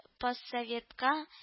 Поссоветка